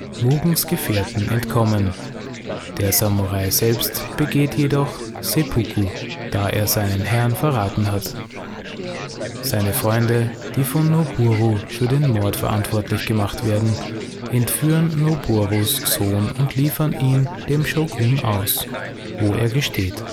Mugens Gefährten entkommen, der Samurai selbst begeht jedoch Seppuku, da er seinen Herrn verraten hat. Seine Freunde, die von Noboru für den Mord verantwortlich gemacht werden, entführen Noborus Sohn und liefern ihn dem Shōgun aus, wo er gesteht